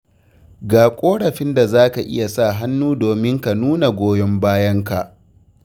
Ga ƙorafin da za ka iya sa hannu domin ka nuna goyon bayanka.